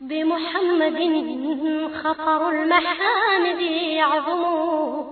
Denmuunɛgɛningɛnin yo